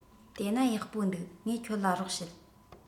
དེ ན ཡག པོ འདུག ངས ཁྱོད ལ རོགས བྱེད